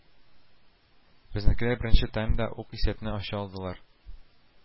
Безнекеләр беренче таймда ук исәпне ача алдылар